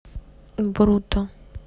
brutto